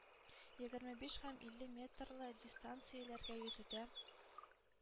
Еерме биш һәм илле метрлы дистанцияләргә йөзүдә